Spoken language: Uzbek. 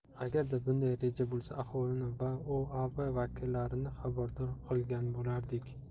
agarda bunday reja bo'lsa aholini va oav vakillarini xabardor qilgan bo'lardik